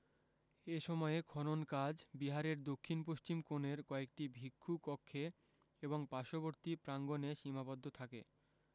এ সময়ে খনন কাজ বিহারের দক্ষিণ পশ্চিম কোণের কয়েকটি ভিক্ষু কক্ষে এবং পার্শ্ববর্তী প্রাঙ্গনে সীমাবদ্ধ থাকে